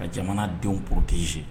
Ka jamana denw protégé